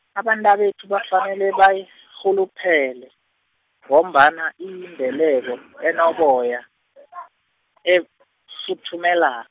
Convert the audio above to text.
abantabethu bafanele bayirhuluphele, ngombana, iyimbeleko, enoboya, efuthumela-.